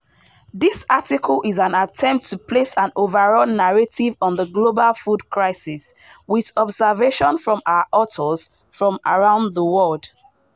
This article is an attempt to place an overall narrative on the global food crisis with observations from our authors from around the world.